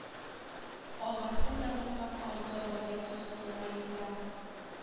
Агасын да мактап алды бая сүз уңаенда